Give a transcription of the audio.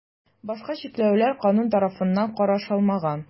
Башка чикләүләр канун тарафыннан каралмаган.